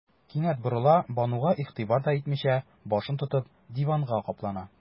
Кинәт борыла, Бануга игътибар да итмичә, башын тотып, диванга каплана.